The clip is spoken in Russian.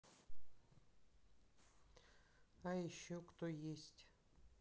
а еще кто есть